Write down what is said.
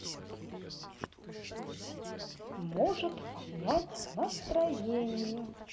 может поднять настроение